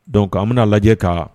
Donc' an bɛnaa lajɛ ka